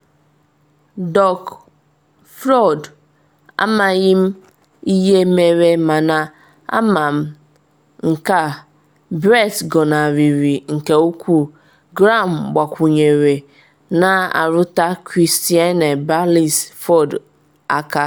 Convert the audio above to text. “Dr. Ford, Amaghị m ihe mere mana a ama m nke a: Brett gọnarịrị nke ukwuu,” Graham gbakwunyere, na-arụta Christine Blasey Ford aka.